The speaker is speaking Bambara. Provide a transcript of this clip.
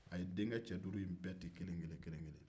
a ye denkɛ cɛ duuru in bɛɛ ci kelen kelen